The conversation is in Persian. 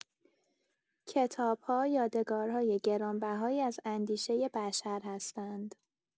کتاب‌ها یادگارهای گرانبهایی از اندیشه بشر هستند.